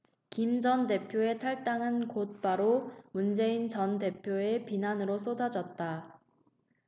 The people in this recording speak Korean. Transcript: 김 전 대표의 탈당은 곧바로 문재인 전 대표의 비난으로 쏟아졌다